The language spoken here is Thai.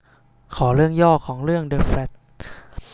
ขอเรื่องย่อของเรื่องเดอะแฟลช